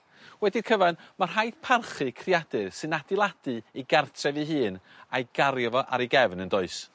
Wedi'y cyfan ma' rhaid parchu creadur sy'n adeiladu ei gartref 'i hun a'i gario fo ar 'i gefn yndoes?